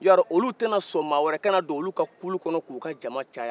yarɔ olu tɛna sɔn maa wɛrɛ kana don olu ka kuru kɔnɔ k'u ka jaman caya